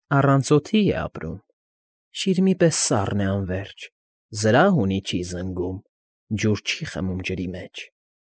Առանց օդի է ապրում, Շիրիմի պես սառն է անվերջ, Զրահ ունի՝ չի զնգում, Ջուր չի խմում՝ ջրի մեջ։